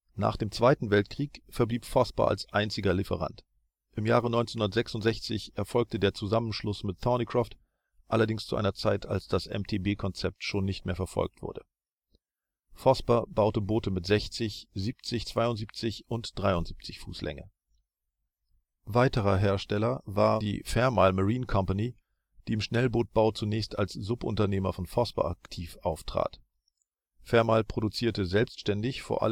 Nach dem Zweiten Weltkrieg verblieb Vosper als einziger Lieferant. Im Jahre 1966 erfolgte der Zusammenschluss mit Thornycroft, allerdings zu einer Zeit als das MTB-Konzept schon nicht mehr verfolgt wurde. Vosper baute Boote mit 60, 70, 72 und 73 ft Länge. Weiterer Hersteller war die Fairmile Marine Company, die im Schnellbootbau zunächst als Subunternehmer von Vosper aktiv auftrat. Fairmile produzierte selbstständig vor